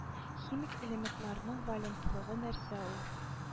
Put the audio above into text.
Химик элементларның валентлыгы нәрсә ул